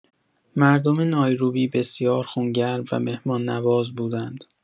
مردم نایروبی بسیار خونگرم و مهمان‌نواز بودند.